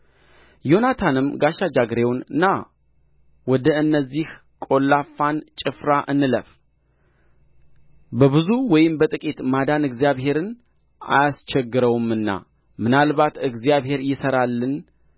ዮናታንም ጋሻ ጃግሬውን ና ወደ እነዚህ ቈላፋን ጭፍራ እንለፍ በብዙ ወይም በጥቂት ማዳን እግዚአብሔርን አያስቸግረውምና ምናልባት እግዚአብሔር ይሠራልን